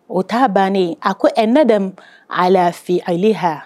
O ta bannen a ko ɛ ne dɛmɛ a lafi ale h